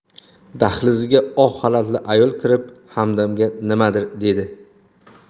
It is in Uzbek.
dahlizga oq xalatli ayol kirib hamdamga nimadir dedi